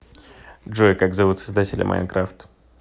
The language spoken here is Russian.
джой как зовут создателя minecraft